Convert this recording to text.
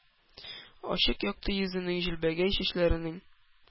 Ачык, якты йөзенең, җилбәгәй чәчләренең,